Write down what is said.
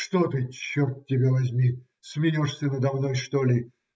- Что ты, черт тебя возьми, смеешься надо мной, что ли?